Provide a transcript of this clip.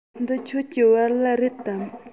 འདི ཁྱོད ཀྱི བལ ལྭ རེད དམ